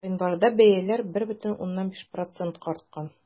Гыйнварда бәяләр 1,5 процентка арткан.